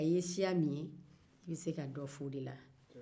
i ye siya min ye i bɛ se ka dɔ fɔ o de la